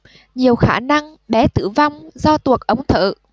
nhiều khả năng bé tử vong do tuột ống thở